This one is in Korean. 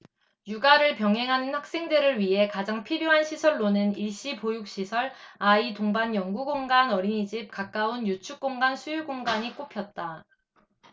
육아를 병행하는 학생들을 위해 가장 필요한 시설로는 일시 보육시설 아이 동반 연구 공간 어린이집 가까운 유축공간 수유공간이 꼽혔다